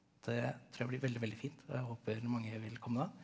det tror jeg blir veldig veldig fint og jeg håper mange vil komme da.